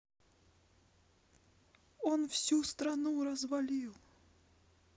он всю страну развалил